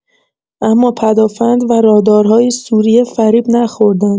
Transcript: اما پدافند و رادارهای سوریه فریب نخوردند.